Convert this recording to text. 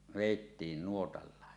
vedettiin nuotalla